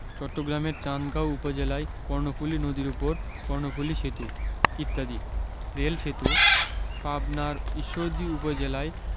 চট্টগ্রামের চান্দগাঁও উপজেলায় কর্ণফুলি নদীর উপর কর্ণফুলি সেতু ইত্যাদি রেল সেতুঃ পাবনার ঈশ্বরদী উপজেলায়